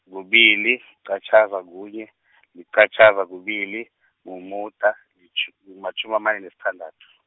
kubili, liqatjhaza, kunye, liqatjhaza, kubili, mumuda litjhu- matjhumi amane nesithandathu.